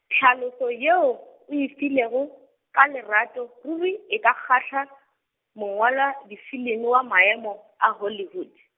tlhaloso yeo, o e filego ka lerato ruri e ka kgahla, mongwaladifilimi wa maemo, a Hollywood.